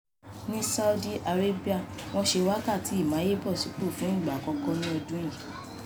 Ní Saudi Arabia, wọ́n ṣe Wákàtí Ìmáyébọ̀sípò fún ìgbà àkọ́kọ́ ní ọdún yìí.